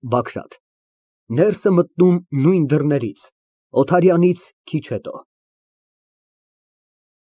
ԲԱԳՐԱՏ ֊ (Ներս է մտնում նույն դռներից, Օթարյանից քիչ հետո)։